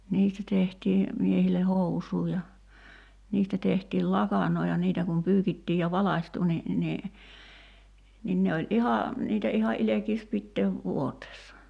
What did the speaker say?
niistä tehtiin miehille housuja ja niistä tehtiin lakanoita ja niitä kun pyykittiin ja valkaistui niin niin niin ne oli ihan niitä ihan ilkeäisi pitää vuoteessa